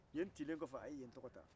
yen cilen kɔfɛ a ye yen tɔgɔ ta